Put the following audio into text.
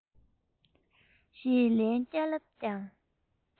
ཞེས ལན བརྒྱར ལབ ཀྱང